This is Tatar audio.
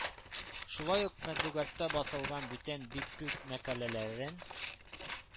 Шулай ук матбугатта басылган бүтән бик күп мәкаләләрен